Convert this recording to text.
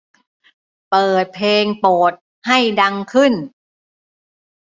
เปิดเพลงโปรดให้ดังขึ้น